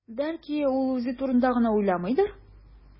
Бәлки, ул үзе турында гына уйламыйдыр?